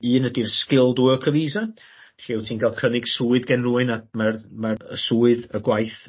Un ydi'r sgilled worker visa. lle wyt ti'n ga'l cynnig swydg gen rwun a ma'r ma'r y swydd y gwaith